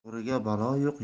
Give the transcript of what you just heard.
to'g'riga balo yo'q